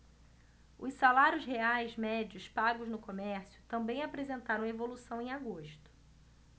os salários reais médios pagos no comércio também apresentaram evolução em agosto